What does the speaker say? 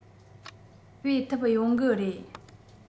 སྤེལ ཐུབ ཡོང གི རེད